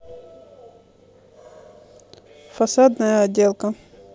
фасадная отделка